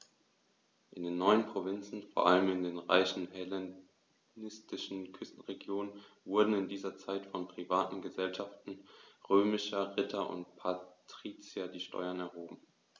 In den neuen Provinzen, vor allem in den reichen hellenistischen Küstenregionen, wurden in dieser Zeit von privaten „Gesellschaften“ römischer Ritter und Patrizier die Steuern erhoben.